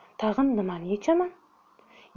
tag'in nimani yechaman